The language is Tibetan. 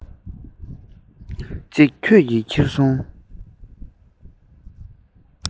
གཅིག ཁྱོད ཀྱིས ཁྱེར སོང